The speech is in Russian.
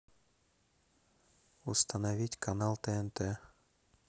установить канал тнт